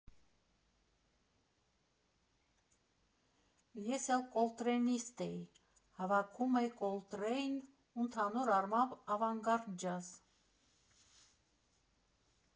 Ես էլ կոլտրեյնիստ էի, հավաքում էի Կոլտրեյն ու ընդհանուր առմամբ ավանգարդ ջազ։